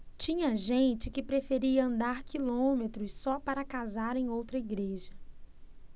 tinha gente que preferia andar quilômetros só para casar em outra igreja